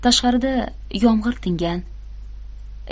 tashqarida yomg'ir tingan